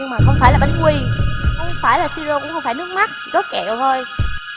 nhưng mà không phải là bánh quy không phải là si rô cũng không phải nước mắt có kẹo thôi